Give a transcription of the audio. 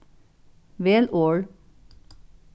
vel orð